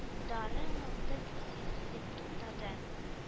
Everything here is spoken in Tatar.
Дары-мылтык исе сизеп туктады